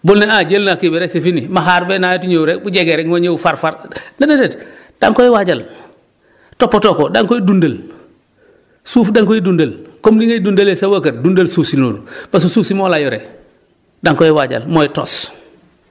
bul ne ah jël naa kii bi rek c' est fini ma xaar ba nawet rek bu jegee rek ma ñew far far mais déedéet da nga koy waajal toppatoo ko da nga koy dundal suuf da nga koy dundal comme ni ngay dundalee sa waa kër dundal suuf si noonu parce que suuf si moo la yore da nga koy waajal mooy tos